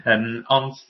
yym ond